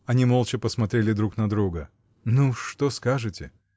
Они молча посмотрели друг на друга. -- Ну, что скажете?